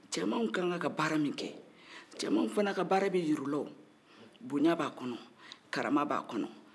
cɛmanw ka kan ka baara min kɛ cɛmanw fana ka baara bɛ yira ola o bonya b'a kɔnɔ karama b'a kɔnɔ